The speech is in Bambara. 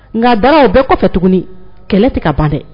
Nka daw bɛɛ kɔfɛ tuguni kɛlɛ tɛ ka ban dɛ